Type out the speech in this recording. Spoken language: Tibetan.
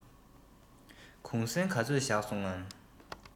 གུང གསེང ག ཚོད བཞག སོང ངམ